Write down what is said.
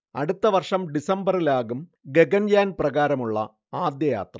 അടുത്ത വർഷം ഡിസംബറിലാകും ഗഗൻയാൻ പ്രകാരമുള്ള ആദ്യ യാത്ര